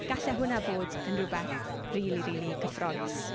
Gallai hwnna fod yn rywbeth rili, rili gyffrous.